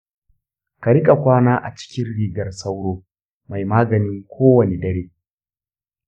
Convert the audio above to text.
ka riƙa kwana a cikin rigar sauro mai magani kowane dare.